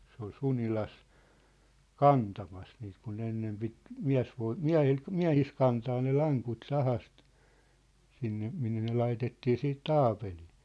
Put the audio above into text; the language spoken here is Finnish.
se oli Sunilassa kantamassa niitä kun ne ennen piti - miehillä miehissä kantaa ne lankut sahasta sinne minne ne laitettiin sitten taapeliin